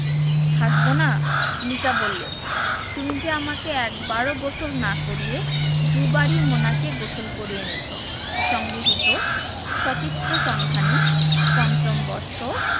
হাসবোনা লিসা বললো তুমি যে আমাকে একবারও গোসল না করিয়ে দুবারই মোনাকে গোসল করিয়ে এনেছো সংগৃহীত সচিত্র সন্ধানী ৫ম বর্ষ